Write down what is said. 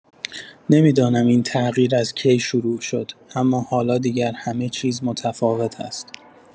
نمی‌دانم این تغییر از کی شروع شد، اما حالا دیگر همه‌چیز متفاوت است.